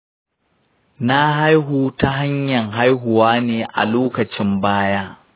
na haihu ta hanyar tiyatan hahuwa ne a lokacin baya.